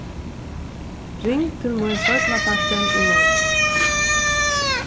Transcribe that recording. ring til mín seinnapartin í morgin